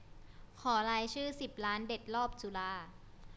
ขอรายชื่อสิบร้านเด็ดรอบจุฬา